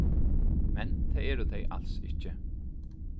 men tað eru tey als ikki